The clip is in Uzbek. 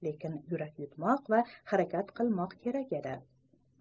lekin yurak yutmoq va harakat qilmoq kerak edi